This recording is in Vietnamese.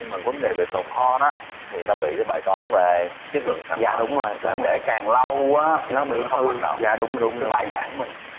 nhưng mà vấn đề về tồn kho thì đã bị cho bài toán về chất lượng giá đúng đắn để càng lâu quá nó bị hư dạ đúng đủ kịp bài giảng của mình